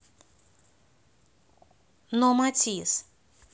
но матиз